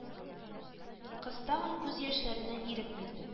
Кыз тагын күз яшьләренә ирек бирде